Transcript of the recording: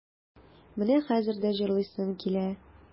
Менә хәзер дә җырлыйсым килә.